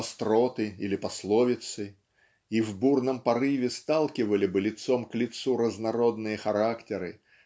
остроты или пословицы и в бурном порыве сталкивали бы лицом к лицу разнородные характеры